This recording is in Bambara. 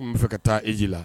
N b' bɛ fɛ ka taa eji la